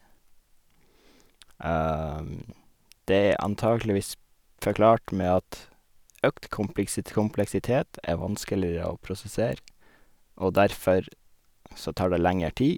Det er antageligvis forklart med at økt kompliksit kompleksitet er vanskeligere å prosessere, og derfor så tar det lenger tid.